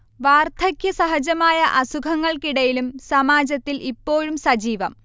വാർധക്യസഹജമായ അസുഖങ്ങൾക്കിടയിലും സമാജത്തിൽ ഇപ്പോഴും സജീവം